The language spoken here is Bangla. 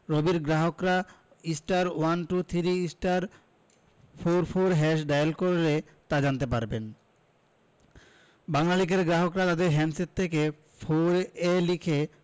রবির গ্রাহকরা star one two three star four four hash dial করে তা জানতে পারবেন বাংলালিংকের গ্রাহকরা তাদের হ্যান্ডসেট থেকে ফউর এ লিখে